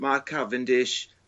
Mark Cavendish